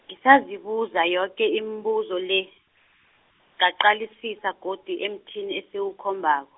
ngisazibuza yoke imibuzo le, ngaqalisisa godu emthini esiwukhombako.